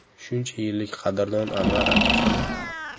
shuncha yillik qadrdon anvar akasini